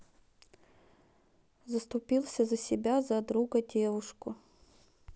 заступился за себя за друга девушку